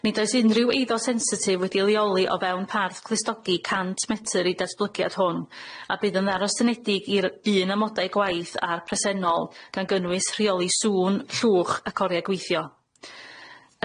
Nid oes unrhyw eiddo sensitif wedi'i leoli o fewn parth clustdodi cant metyr i datblygiad hwn a bydd yn ddarosynedig i'r un amodau gwaith a'r presennol gan gynnwys rheoli sŵn llwch ac oriau gweithio.